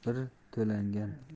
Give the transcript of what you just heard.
ham siring aytma